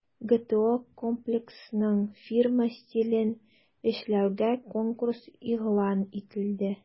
ГТО Комплексының фирма стилен эшләүгә конкурс игълан ителде.